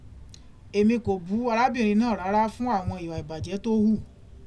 Èmi kò bú arábìnrin náà rárá fún àwọn ìwà ìbàjẹ́ tó hù.